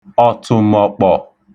ọ̀tụ̀mọ̀kpọ̀